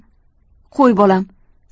qo'y bolam